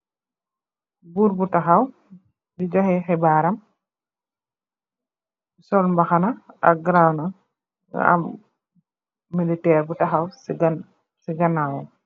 Goor bu taxaw di johex xibaar ram sol mbahana ak groun nam nga am meliterr bu taxa si ganawam.